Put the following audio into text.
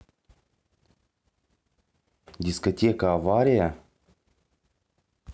дискотека авария